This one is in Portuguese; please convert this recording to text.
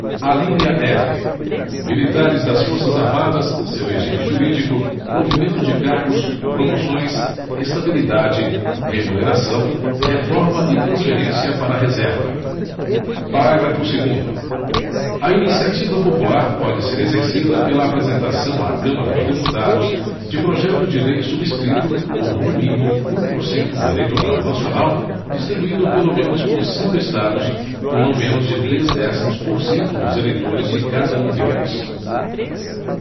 alínea f militares das forças armadas seu regime jurídico provimento de cargos promoções estabilidade remuneração reforma e transferência para a reserva parágrafo segundo a iniciativa popular pode ser exercida pela apresentação à câmara dos deputados de projeto de lei subscrito por no mínimo um por cento do eleitorado nacional distribuído pelo menos por cinco estados com não menos de três décimos por cento dos eleitores de cada um deles